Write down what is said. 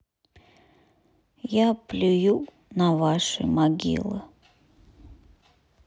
я плюю на ваши могилы